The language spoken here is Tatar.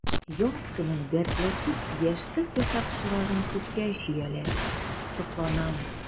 Яз көне дәртләнеп яшькелт яфракчыкларын күккә чөяләр— сокланам.